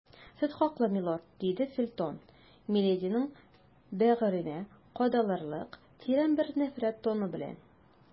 Сез хаклы, милорд, - диде Фельтон милединың бәгыренә кадалырлык тирән бер нәфрәт тоны белән.